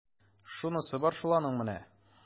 Шунысы бар шул аның менә! ..